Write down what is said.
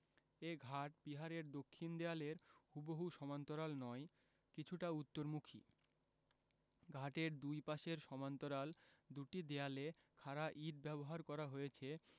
এ ঘাট বিহারের দক্ষিণ দেয়ালের হুবহু সমান্তরাল নয় কিছুটা উত্তরমুখী ঘাটের দুই পাশের সমান্তরাল দুটি দেয়ালে খাড়া ইট ব্যবহার করা হয়েছে